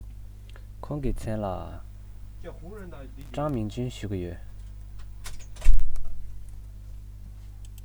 ཁོང གི མཚན ལ ཀྲང མིང ཅུན ཞུ གི ཡོད རེད